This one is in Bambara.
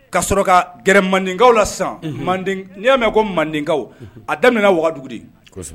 Ka sɔrɔ ka gɛrɛ Mandenkaw la sisan , manden n'i y'a mɛn ko mandekaw a daminɛna wagadugu de, kosɛbɛ